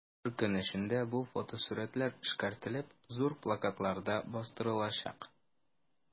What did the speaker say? Бер көн эчендә бу фотосурәтләр эшкәртелеп, зур плакатларда бастырылачак.